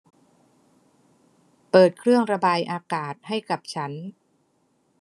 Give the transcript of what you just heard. เปิดเครื่องระบายอากาศให้กับฉัน